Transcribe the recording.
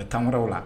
Bɛ taa wɛrɛw la